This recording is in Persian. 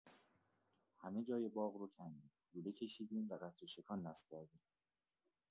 همه‌جای باغ رو کندیم، لوله کشیدیم و قطره‌چکان نصب کردیم.